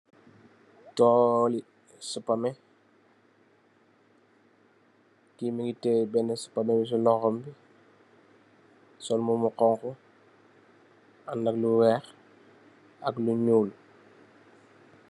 Tooli supamè, ki mungi tè benn supamè ci lohom bi sol mbub mu honku, andak lu weeh ak lu ñuul.